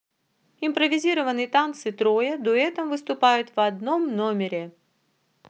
импровизированные танцы троя дуэтом выступают в одном номере